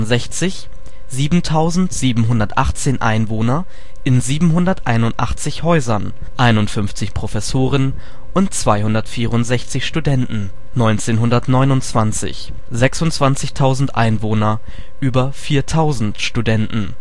1866: 7.718 Einwohner in 781 Häusern, 51 Professoren, 264 Studenten 1929: 26.000 Einwohner, über 4000 Studenten